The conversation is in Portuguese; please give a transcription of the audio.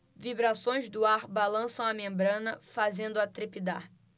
vibrações do ar balançam a membrana fazendo-a trepidar